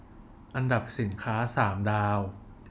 อันดับสินค้าสามดาว